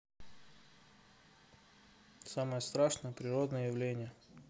самое страшное природное явление